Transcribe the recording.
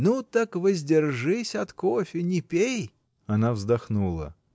— Ну так — воздержись от кофе, не пей! Она вздохнула.